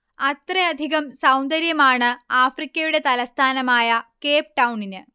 അത്രയധികം സൗന്ദര്യമാണ് ആഫ്രിക്കയുടെ തലസ്ഥാനമായ കേപ് ടൗണിന്